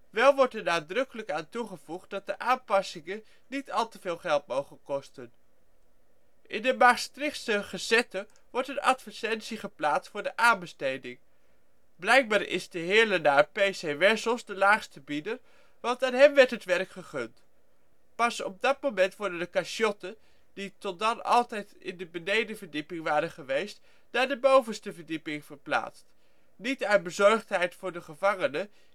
Wel wordt er nadrukkelijk aan toegevoegd dat de aanpassingen niet te veel geld mogen kosten. In de Maastrichtse Gesette wordt een advertentie geplaatst voor de aanbesteding. Blijkbaar is de Heerlenaar P.C. Werzels de laagste bieder, want aan hem wordt het werk gegund. Pas op dat moment worden de cachotten, die tot dan altijd in de benedenverdieping waren geweest, naar de bovenste verdieping verplaatst. Niet uit bezorgdheid voor de gevangenen